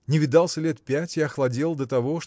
не видался лет пять и охладел до того